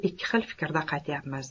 ikki xil fikrda qaytyapmiz